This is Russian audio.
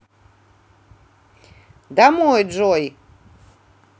домой джой